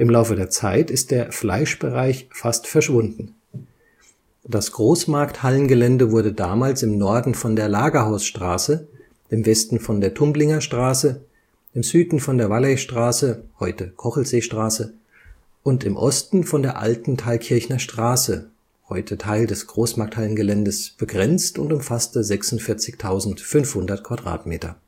Laufe der Zeit ist der Fleischbereich fast verschwunden. Das Großmarkthallengelände wurde damals im Norden von der Lagerhausstraße, im Westen von der Tumblingerstraße, im Süden von der Valleystraße (heute Kochelseestraße) und im Osten von der alten Thalkirchner Straße (heute Teil des Großmarkthallengeländes) begrenzt und umfasste 46.500 Quadratmeter